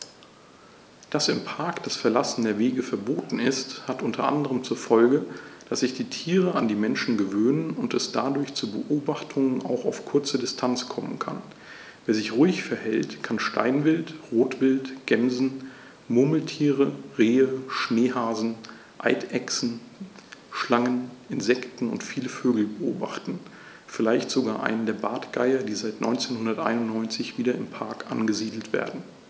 Dass im Park das Verlassen der Wege verboten ist, hat unter anderem zur Folge, dass sich die Tiere an die Menschen gewöhnen und es dadurch zu Beobachtungen auch auf kurze Distanz kommen kann. Wer sich ruhig verhält, kann Steinwild, Rotwild, Gämsen, Murmeltiere, Rehe, Schneehasen, Eidechsen, Schlangen, Insekten und viele Vögel beobachten, vielleicht sogar einen der Bartgeier, die seit 1991 wieder im Park angesiedelt werden.